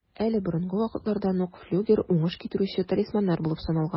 Әле борынгы вакытлардан ук флюгер уңыш китерүче талисманнар булып саналган.